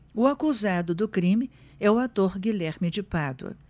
o acusado do crime é o ator guilherme de pádua